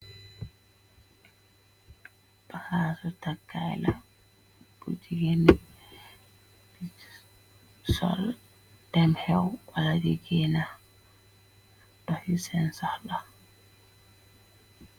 bakatu takkayla kujigeni bebisol demxew wala digina dohisensola .